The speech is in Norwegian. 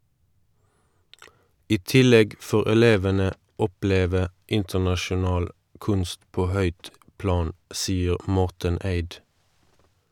I tillegg får elevene oppleve internasjonal kunst på høyt plan, sier Morten Eid.